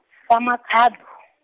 sa Makhado.